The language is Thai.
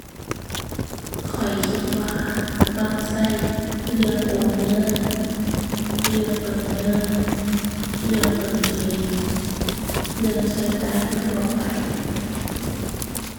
ข้อยคิดว่ามักใช้เรื่องโอนเงิน เรื่องเติมเงิน เรื่องเติมเกม เรื่องใช้จ่ายทั่วทั่วไป